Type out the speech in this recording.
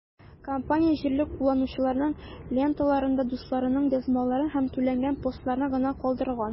Компания җирле кулланучыларның ленталарында дусларының язмаларын һәм түләнгән постларны гына калдырган.